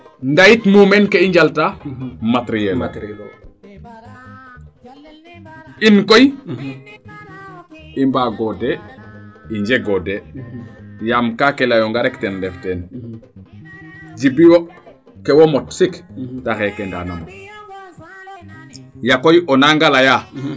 ndaa yit mumeen ke i njal ta materiel o in koy i mbaago de i njegoo de yaam kaa ke lyoonga rek ten ref teen Djiby wo ke wo mot sik taxe kee Ndane a mot yakoy o naanga leya